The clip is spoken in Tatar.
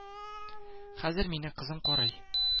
Хәзер мине кызым карый